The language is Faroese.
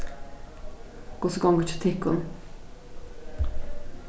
hvussu gongur hjá tykkum